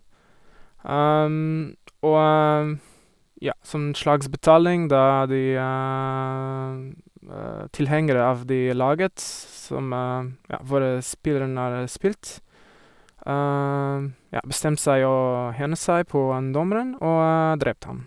Og, ja, som en slags betaling, da de tilhengere av det laget, s som ja, hvor spilleren har spilt, ja, bestemte seg å hevne seg på han dommeren, og drepte han.